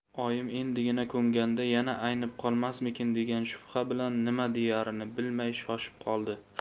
oyim endigina ko'nganda yana aynib qolmasmikin degan shubha bilan nima deyarini bilmay shoshib qoldi